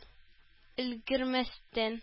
Өлгермәстән